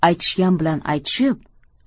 aytishgan bilan aytishib